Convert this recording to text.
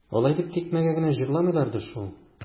Алай дип тикмәгә генә җырламыйлардыр шул.